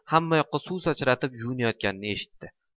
hammayoqqa suv sachratib yuvinayotganini eshitdi